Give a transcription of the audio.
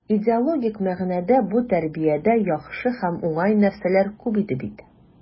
Идеологик мәгънәдә бу тәрбиядә яхшы һәм уңай нәрсәләр күп иде бит.